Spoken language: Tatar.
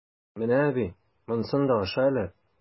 Менә, әби, монсын да аша әле!